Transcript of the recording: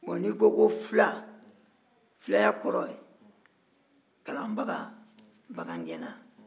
bon n'i ko fila fila kɔrɔ kalanbaga ani bagangɛnna